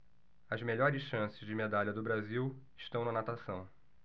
as melhores chances de medalha do brasil estão na natação